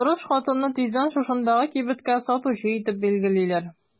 Тырыш хатынны тиздән шушындагы кибеткә сатучы итеп билгелиләр.